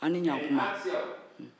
a ni ɲatuman